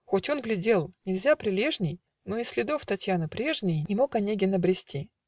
Хоть он глядел нельзя прилежней, Но и следов Татьяны прежней Не мог Онегин обрести.